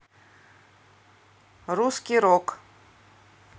русский рок